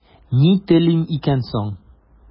Ни телим икән соң?